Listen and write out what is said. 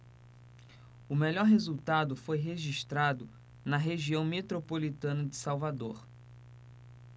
o melhor resultado foi registrado na região metropolitana de salvador